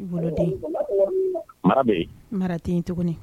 I woloden mara be ye mara te yen tuguni